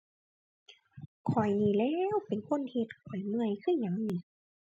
ข้อยนี่แหล้วเป็นคนเฮ็ด ข้อยเมื่อยคือหยังหนิ